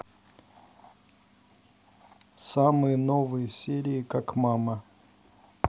самые новые серии как мама